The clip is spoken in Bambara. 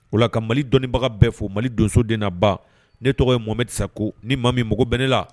O la ka mali dɔnnibaga bɛɛ fo mali donso den na ban ne tɔgɔ ye momesa ko ni maa min mago bɛ ne la